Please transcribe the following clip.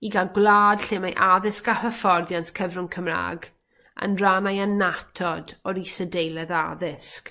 i ga'l gwlad lle mae addysg a hyfforddiant cyfrwng Cymra'g yn rannau annatod o'r isadeiledd addysg.